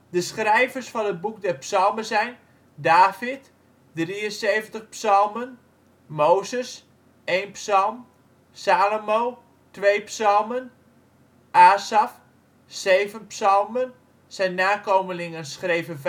De schrijvers van het Boek der Psalmen zijn: David (73 psalmen) Mozes (1 psalm) Salomo (2 psalmen) Asaf (7 psalmen; zijn nakomelingen schreven